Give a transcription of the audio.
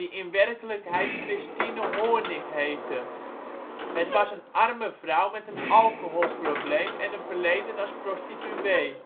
in werkelijkheid Christine Hoornik heette. Het was een arme vrouw met een alcoholprobleem en een verleden als prostituee